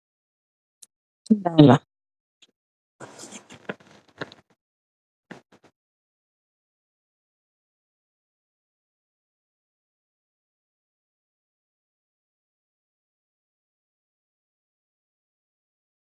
Dalle